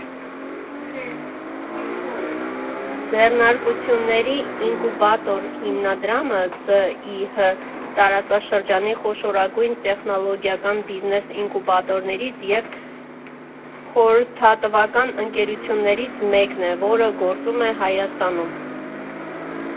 «Ձեռնարկությունների ինկուբատոր» հիմնադրամը (ՁԻՀ) տարածաշրջանի խոշորագույն տեխնոլոգիական բիզնես ինկուբատորներից և խորհրդատվական ընկերություններից մեկն է, որը գործում է Հայաստանում։